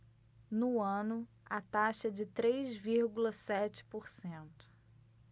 no ano a taxa é de três vírgula sete por cento